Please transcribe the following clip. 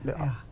ja.